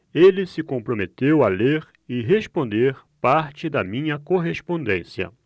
ele se comprometeu a ler e responder parte da minha correspondência